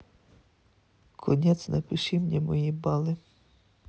конец напиши мне мои баллы